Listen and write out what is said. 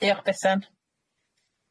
Diolch Bethan.